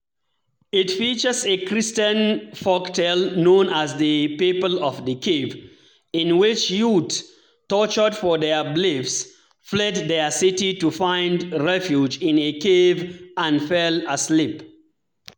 It features a Christian folktale known as the "People of the Cave", in which youth, tortured for their beliefs, fled their city to find refuge in a cave and fell asleep.